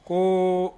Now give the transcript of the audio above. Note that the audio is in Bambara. Ko